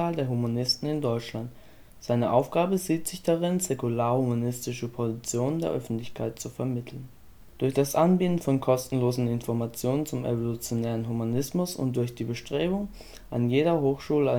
der Humanisten in Deutschland. Seine Aufgabe sieht sie darin, säkular-humanistische Positionen der Öffentlichkeit zu vermitteln. Durch das Anbieten von kostenlosen Informationen zum evolutionären Humanismus und durch die Bestrebung, an jeder Hochschule